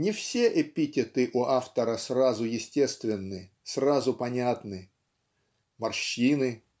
Не все эпитеты у автора сразу естественны, сразу понятны (морщины